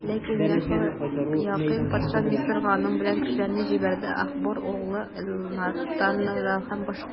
Ләкин Яһоякыйм патша Мисырга аның белән кешеләрне җибәрде: Ахбор углы Элнатанны һәм башкаларны.